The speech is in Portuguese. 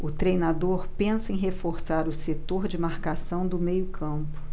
o treinador pensa em reforçar o setor de marcação do meio campo